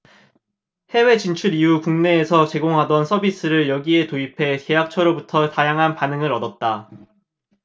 해외 진출 이후 국내에서 제공하던 서비스를 여기서 도입해 계약처로부터 다양한 반응을 얻었다